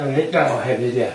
Hefyd de? O Hefyd, ia.